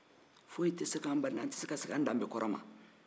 foyi tɛ se kan bali ka segin an danbe kɔrɔ ma